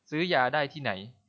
ซื้อยาได้ที่ไหน